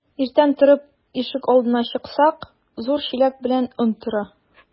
Иртән торып ишек алдына чыксак, зур чиләк белән он тора.